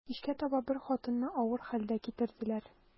Кичкә таба бер хатынны авыр хәлдә китерделәр.